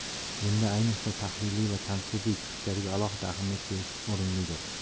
bunda ayniqsa tahliliy va tanqidiy chiqishlarga alohida ahamiyat berish o'rinlidir